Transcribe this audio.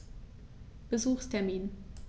Besuchstermin